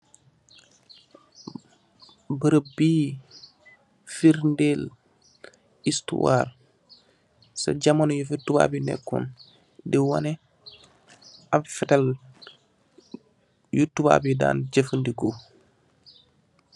Beureubii firrndell histoire sah jamano yii fii tubab yii nekon, dii wohneh abbb fehtel yu tubab yii daan jeufandehkor.